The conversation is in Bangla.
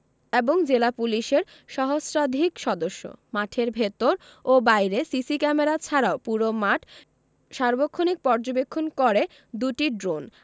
এবং জেলা পুলিশের সহস্রাধিক সদস্য মাঠের ভেতর ও বাইরে সিসি ক্যামেরা ছাড়াও পুরো মাঠ সার্বক্ষণিক পর্যবেক্ষণ করে দুটি ড্রোন